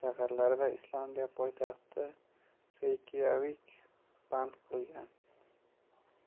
bergen shaharlari va islandiya poytaxti reykyavik band qilingan